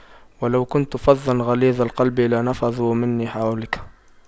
وَلَو كُنتَ فَظًّا غَلِيظَ القَلبِ لاَنفَضُّواْ مِن حَولِكَ